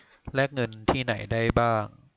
แลกเงินที่ไหนได้บ้าง